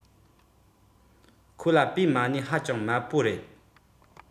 ཁོ ལ པའི མ གནས ཧ ཅང དམའ པོ རེད